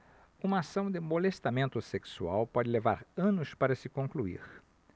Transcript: uma ação de molestamento sexual pode levar anos para se concluir